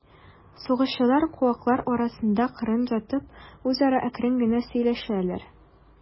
Сугышчылар, куаклар арасында кырын ятып, үзара әкрен генә сөйләшәләр.